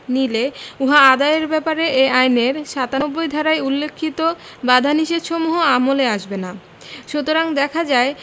নিলে উহা আদায়ের ব্যাপারে এ আইনের ৯৭ ধারায় উল্লেখিত বাধানিষেধসমূহ আমলে আসবেনা সুতরাং দেখা যায়